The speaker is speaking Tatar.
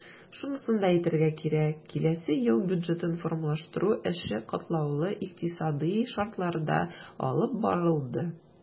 Шунысын да әйтергә кирәк, киләсе ел бюджетын формалаштыру эше катлаулы икътисадый шартларда алып барылды.